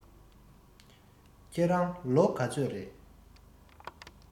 ཁྱེད རང ལོ ག ཚོད རེས